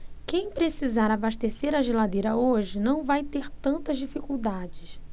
quem precisar abastecer a geladeira hoje não vai ter tantas dificuldades